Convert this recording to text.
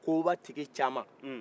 koba tigi caman